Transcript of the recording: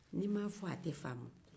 ni n'ma fɔ a tɛ faamu